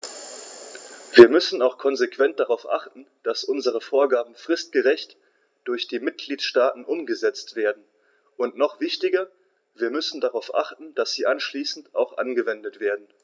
Wir müssen auch konsequent darauf achten, dass unsere Vorgaben fristgerecht durch die Mitgliedstaaten umgesetzt werden, und noch wichtiger, wir müssen darauf achten, dass sie anschließend auch angewendet werden.